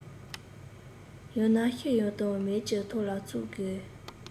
ཡང ན ཤི ཡོད དང མེད ཀྱི ཐོག ལ བཙུགས དགོས